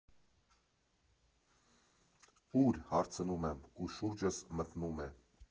Ո՞ւր՝ հարցնում եմ ու շուրջս մթնում է։